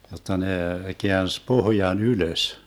jotta ne käänsi pohjan ylös